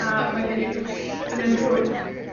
A mae gen i dwll yn 'yn nhrwyn.